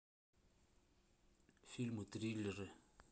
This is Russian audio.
фильмы триллеры